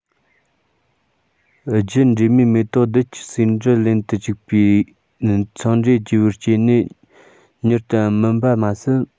རྒྱུད འདྲེས མའི མེ ཏོག རྡུལ གྱིས ཟེའུ འབྲུ ལེན དུ བཅུག པའི འཚང འབྲས རྒྱས པར སྐྱེས ནས མྱུར དུ སྨིན པ མ ཟད